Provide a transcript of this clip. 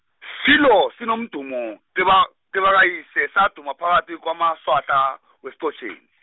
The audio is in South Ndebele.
silo sinomdumo, keba- kebakayise saduma phakathi kwamaswahla, weSichotjeni.